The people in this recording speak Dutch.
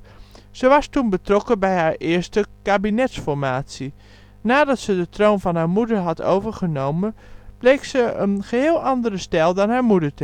was toen betrokken bij haar eerste kabinetsformatie. Nadat ze de troon van haar moeder had overgenomen bleek ze een geheel andere stijl dan haar moeder